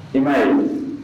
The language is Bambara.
I ma ye